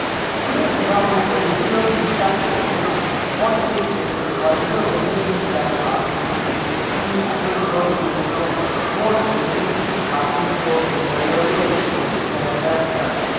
Ní ìbámu pẹ̀lú búlọ́ọ̀gù iṣẹ́ àkànṣe náà wọn ṣe ètò ìpàdé náà gẹ́gẹ́ bíi ìlànà àágùnlé tí Àpéjọ Ìmọ̀ Ẹ̀rọ tí wọ́n sì pèé ní Àpéjọ Ìmọ̀ Ẹ̀rọ Elẹ́ẹ̀kejì tí Madagascar.